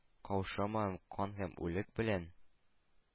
Каушамадым кан һәм үлек белән